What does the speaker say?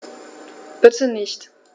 Bitte nicht.